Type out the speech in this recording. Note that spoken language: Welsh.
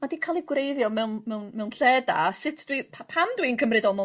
wedi ca'l 'i gwreiddio mewn mewn mewn lle da sut dwi... Pa- pam dwi'n cymryd o mewn